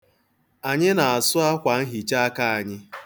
Anyị na-asụ akwanhichaaka anyị.